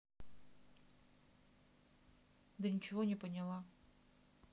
да ничего не поняла